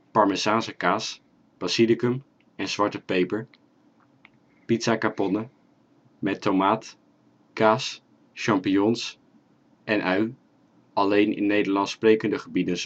Parmezaanse kaas, basilicum, zwarte peper) Pizza Caponne (tomaat, kaas, champignons, ui; alleen in Nederlandssprekende gebieden